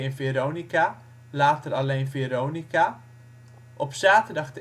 Veronica (later alleen Veronica); Zaterdag